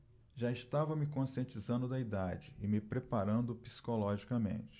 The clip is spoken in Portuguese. já estava me conscientizando da idade e me preparando psicologicamente